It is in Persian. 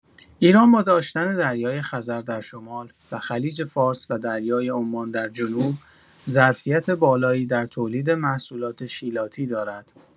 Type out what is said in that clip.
ایران با داشتن دریای‌خزر در شمال و خلیج‌فارس و دریای عمان در جنوب، ظرفیت بالایی در تولید محصولات شیلاتی دارد.